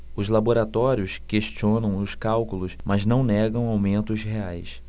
os laboratórios questionam os cálculos mas não negam aumentos reais